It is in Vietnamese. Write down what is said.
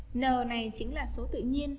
n này chính là số tự nhiên